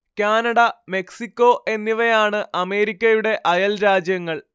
Canada Mexico എന്നിവയാണ് അമേരിക്കയുടെ അയൽ രാജ്യങ്ങൾ